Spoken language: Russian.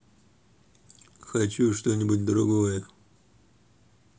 хочу что нибудь другое